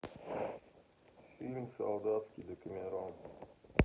фильм солдатский декамерон